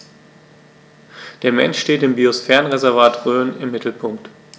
Der Mensch steht im Biosphärenreservat Rhön im Mittelpunkt.